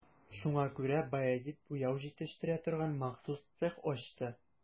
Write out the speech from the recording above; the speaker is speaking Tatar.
Шуңа күрә Баязит буяу җитештерә торган махсус цех ачты.